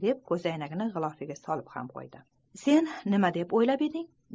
deb ko'zoynagini g'ilofiga solib qo'ydi borksen nima deb o'ylab eding